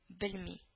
Белми